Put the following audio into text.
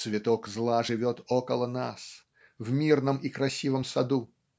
цветок зла живет около нас, в мирном и красивом саду.